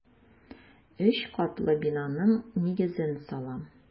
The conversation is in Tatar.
Өч катлы бинаның нигезен салам.